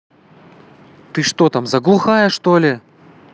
ты что там за глухая что ли